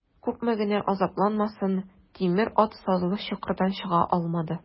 Күпме генә азапланмасын, тимер ат сазлы чокырдан чыга алмады.